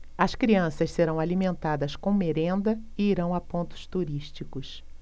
as crianças serão alimentadas com merenda e irão a pontos turísticos